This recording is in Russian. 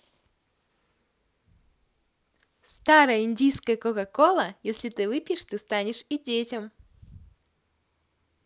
старое индийское coca cola если ты выпьешь ты станешь и детям